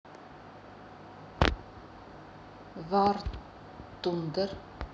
war thunder